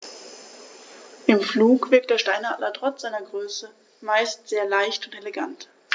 Im Flug wirkt der Steinadler trotz seiner Größe meist sehr leicht und elegant.